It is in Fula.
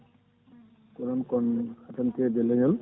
onoon kon katanteje leeñol